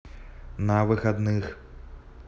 на выходных